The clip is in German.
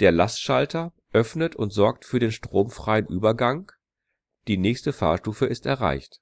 ein Lastschalter öffnet und sorgt für den stromfreien Übergang, die nächste Fahrstufe ist erreicht